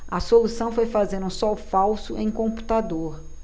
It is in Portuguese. a solução foi fazer um sol falso em computador